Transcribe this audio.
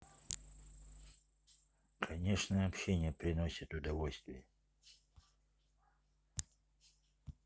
конечно общение приносит удовольствие